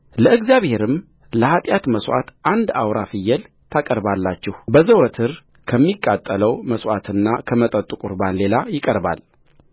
ለእግዚአብሔርም ለኃጢአት መሥዋዕት አንድ አውራ ፍየል ታቀርባላችሁ በዘወትር ከሚቃጠለው መሥዋዕትና ከመጠጡ ቍርባን ሌላ ይቀርባል